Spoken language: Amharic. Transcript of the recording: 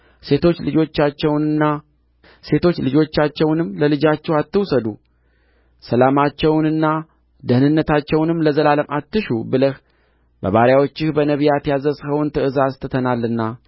ሴቶች ልጆቻቸውንም ለልጆቻችሁ አትውሰዱ ሰላማቸውንና ደኅንነታቸውንም ለዘላለም አትሹ ብለህ በባሪያዎችህ በነቢያት ያዘዝኸውን ትእዛዝ ትተናልና